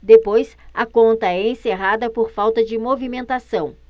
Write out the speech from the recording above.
depois a conta é encerrada por falta de movimentação